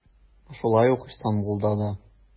Шулай ук Истанбулда да.